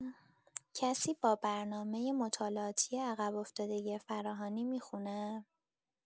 کسی با برنامه مطالعاتی عقب‌افتادگی فراهانی می‌خونه؟